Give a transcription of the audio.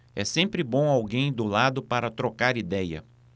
é sempre bom alguém do lado para trocar idéia